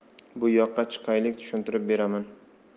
bu yoqqa chiqaylik tushuntirib beraman